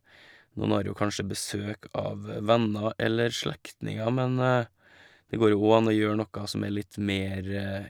Noen har jo kanskje besøk av venner eller slektninger, men det går jo óg an å gjøre noe som er litt mer...